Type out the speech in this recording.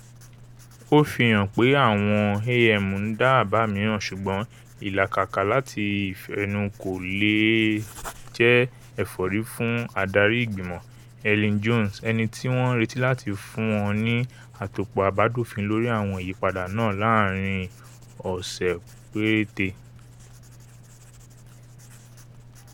Ó fi hàn pe àwọn AM ńdá àbá̀ miran, ṣugbọn ìlàkàkà láti ìfẹnukò leè jẹ́ ẹ̀fọ́rí fún ádari ìgbìmọ́, Elin Jones, ẹnití wọn ńretí láti fún wọn ní àtòpọ̀ àbádòfin lórí à̀wọn ìyípadà náà láarin ọ̀sẹ̀ pérétè.